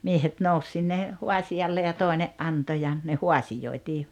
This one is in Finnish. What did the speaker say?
miehet nousi sinne haasiolle ja toinen antoi ja ne haasioitiin